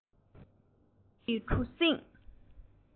ཁོ ར ཁོར ཡུག